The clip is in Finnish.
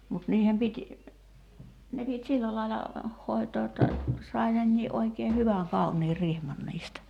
mutta niiden piti ne piti sillä lailla hoitaa jotta sai nekin oikein hyvän kauniin rihman niistä